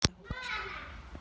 ты алкашка